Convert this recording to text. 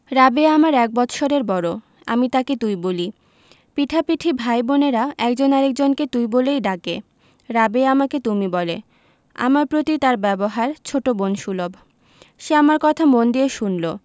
রাবেয়া আমার এক বৎসরের বড় আমি তাকে তুই বলি পিঠাপিঠি ভাই বোনের একজন আরেক জনকে তুই বলেই ডাকে রাবেয়া আমাকে তুমি বলে আমার প্রতি তার ব্যবহার ছোট বোন সুলভ সে আমার কথা মন দিয়ে শুনলো